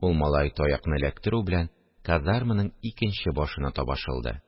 Ул малай, таякны эләктерү белән, казарманың икенче башына таба шылды